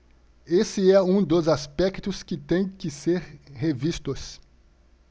esse é um dos aspectos que têm que ser revistos